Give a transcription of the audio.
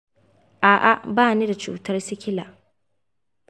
a'a, ba ni da cutar sikila